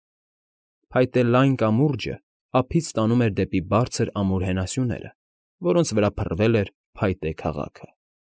Փայտե լայն կամուրջն ափից տանում էր դեպի բարձր ամուր հենասյուները, որոնց վրա փռվել էր փայտե քաղաքը։